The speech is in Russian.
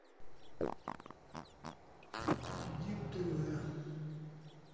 едим тв